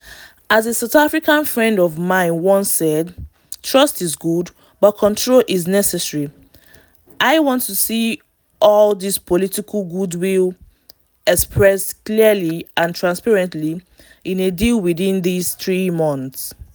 As a South African friend of mine once said: “Trust is good, but control is necessary!” [..] I want to see all this political goodwill expressed clearly and transparently in a deal within these three months!